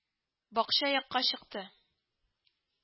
Бакча якка чыкты